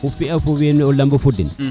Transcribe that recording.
o fiya fo wiin we o lemo fo den